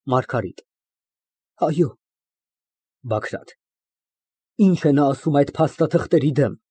ՄԱՐԳԱՐԻՏ ֊ Այո։ ԲԱԳՐԱՏ ֊ Ի՞նչ է ասում նա այդ փաստաթղթերի դեմ։